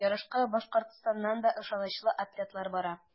Ярышка Башкортстаннан да ышанычлы атлетлар бара.